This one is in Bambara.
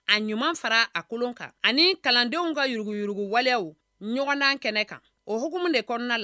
A ɲuman fara a kolon kan. Ani kalandenw ka yuruguyurugu waleyaw ɲɔgɔn dan kɛnɛ kan. O hokumu de kɔnɔna la